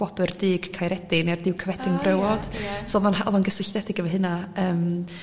gwabr Dug Caeredin Duke of Edinburgh Award so odd o'n rha- oddo'n gysylltedig efo hynna yym